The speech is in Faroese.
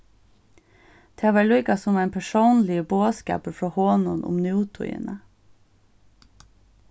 tað var líka sum ein persónligur boðskapur frá honum um nútíðina